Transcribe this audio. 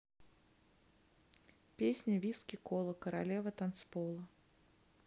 песня виски кола королева танцпола